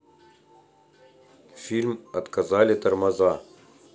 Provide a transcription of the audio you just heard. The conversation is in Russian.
фильм отказали тормоза